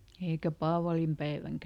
eikä paavalinpäivänäkään